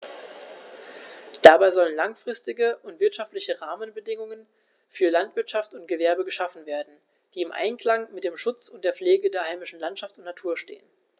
Dabei sollen langfristige und wirtschaftliche Rahmenbedingungen für Landwirtschaft und Gewerbe geschaffen werden, die im Einklang mit dem Schutz und der Pflege der heimischen Landschaft und Natur stehen.